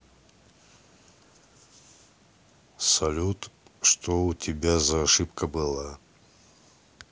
салют что у тебя за ошибка была